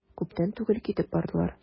Күптән түгел китеп бардылар.